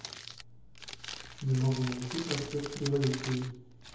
не могу найти проспект революции